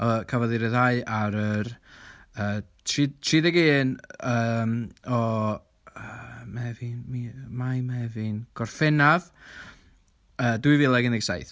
Yy cafodd ei ryddhau ar yr yy tri tri deg un yym o yym Mehefin... Mai Mefin Gorffennaf yy dwy fil a undeg saith.